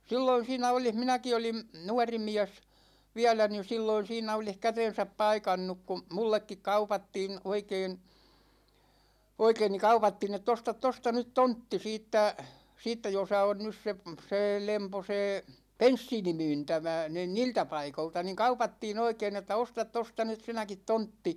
silloin siinä olisi minäkin olin nuorimies vielä niin silloin siinä olisi kätensä paikannut kun minullekin kaupattiin oikein oikein niin kaupattiin että osta tuosta nyt tontti siitä siitä jossa on nyt se se lempo se bensiinimyyntämä niin niiltä paikoilta niin kaupattiin oikein että osta tuosta nyt sinäkin tontti